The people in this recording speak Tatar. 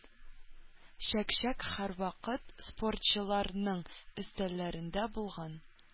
Чәк-чәк һәрвакыт спортчыларның өстәлләрендә булган.